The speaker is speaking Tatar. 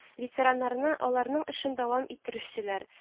Ветераннарны аларның эшен дәвам иттерүчеләр